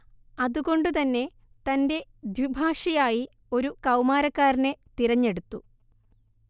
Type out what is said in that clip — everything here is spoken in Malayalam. അതുകൊണ്ട് തന്നെ തന്റെ ദ്വിഭാഷിയായി ഒരു കൗമാരക്കാരനെ തിരഞ്ഞെടുത്തു